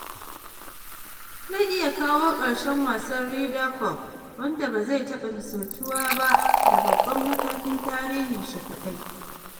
Zai iya kawo ƙarshen wasan Ryder Cup wanda ba zai taɓa misaltuwa ba da babban matakin tarihin shi kadai.